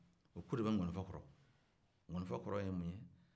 u ku de bɛ gɔnifɔ kɔrɔ gɔnifɔ kɔrɔ ye mun ye